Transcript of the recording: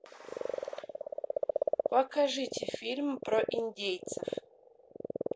покажите фильм про индейцев